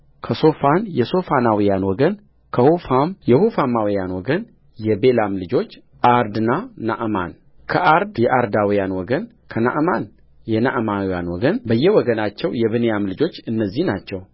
ከሶፋን የሶፋናውያን ወገንከሑፋም የሑፋማውያን ወገንየቤላም ልጆች አርድና ናዕማን ከአርድ የአርዳውያን ወገን ከናዕማን የናዕማናውያን ወገንበየወገናቸው የብንያም ልጆች እነዚህ ናቸው